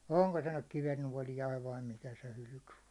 onko se nyt kivennuoliainen vai mikä se hylky on